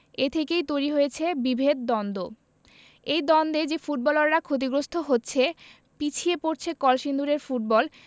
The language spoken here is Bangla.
এ থেকেই তৈরি হয়েছে বিভেদ দ্বন্দ্ব এই দ্বন্দ্বে যে ফুটবলাররা ক্ষতিগ্রস্ত হচ্ছে পিছিয়ে পড়ছে কলসিন্দুরের ফুটবল